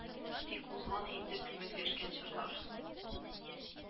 Тик узган инде күмәкләшкән чорлар